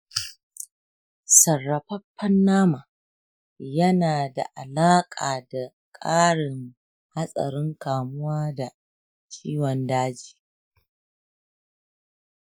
sarrafaffen nama yana da alaka da karin hatsarin kamuwa da ciwon daji.